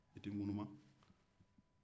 i tɛ ŋunuma